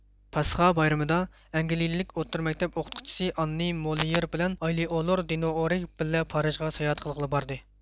پاسخا بايرىمىدا ئەنگلىيىلىك ئوتتۇرا مەكتەپ ئوقۇتقۇچىسى ئاننى مولېيېر بىلەن ئايلېئولور دېنوئورگ بىللە پارىژغا ساياھەت قىلغىلى باردى